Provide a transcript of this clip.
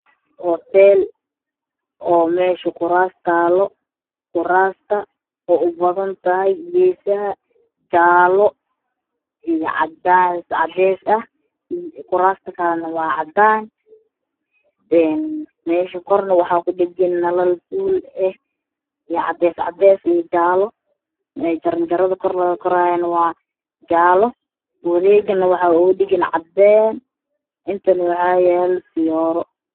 Huteel oo meesha kuraas taalo kuraasta waxay ubadan tahay geesaha jaalo iyo cadees ah kuraasta kalane waa cadaan meesha korone waxaa ku dhagan nalal fuul eh iyo cadees iyo jaale jaraan jarada kor lagu koraayane waa jaale wareegane waxaa ooga dhagan cadaan intane waxaa yaalo fiyooro